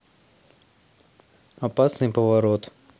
опасный поворот